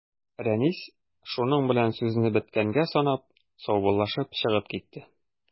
Рәнис, шуның белән сүзне беткәнгә санап, саубуллашып чыгып китте.